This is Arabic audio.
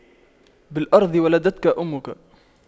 بالأرض ولدتك أمك